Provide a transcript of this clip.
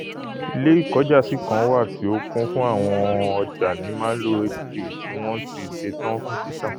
Ilé ìkọ́jàsí kan wà tí o kún fun àwọn ọjà ni Marlow HQ tí wọn ti ṣetán fun títà.''